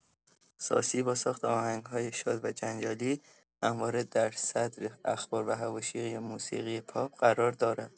ساسی با ساخت آهنگ‌های شاد و جنجالی، همواره در صدر اخبار و حواشی موسیقی پاپ قرار دارد.